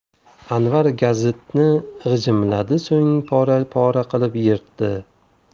anvar gazitni g'ijimladi so'ng pora pora qilib yirtdi